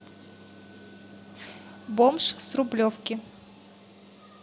бомж с рублевки